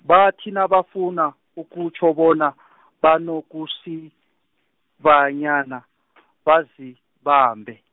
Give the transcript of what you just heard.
bathi nabafuna, ukutjho bona , banokusabanyana , bazibambe.